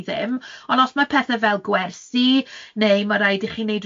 dwi ddim ond os mae pethe fel gwersi neu ma' raid i chi 'neud